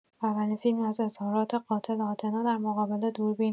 اولین فیلم از اظهارات قاتل آتنا در مقابل دوربین